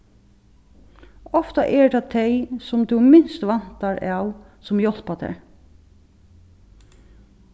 ofta eru tað tey sum tú minst væntar av sum hjálpa tær